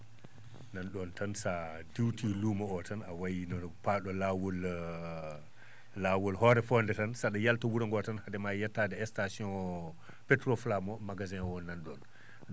nan?on tan so a diwtii luumo o tan awayino no paa?o laawol laawol Oréfondé tan so a?a yalta wuro ngoo tan hadema yettade station petroflamme o magasin o nan?on